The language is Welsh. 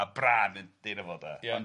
A Brân ydi ei enw fo de... Ia.